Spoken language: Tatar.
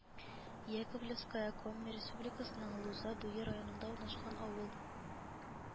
Яковлевская Коми Республикасының Луза буе районында урнашкан авыл